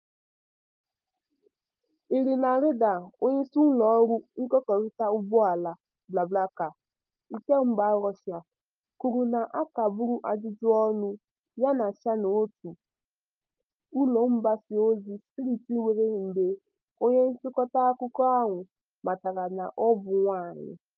Irina Reyder, onyeisi ụlọọrụ nkekọrịta ụgbọala BlaBlaCar nke mba Russia, kwuru na a kagburu ajụjụọnụ ya na Channel One ụlọ mgbasaozi steeti nwere mgbe onye nchịkọta akụkọ ahụ matara na ọ bụ nwaanyị.